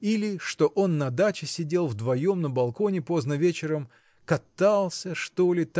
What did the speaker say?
или что он на даче сидел вдвоем на балконе поздно вечером катался что ли